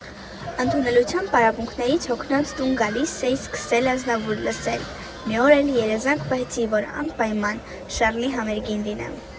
Ընդունելության պարապմունքներից հոգնած տուն գալիս էի սկսել Ազնավուր լսել, մի օր էլ երազանք պահեցի, որ անպայման Շառլի համերգին լինեմ։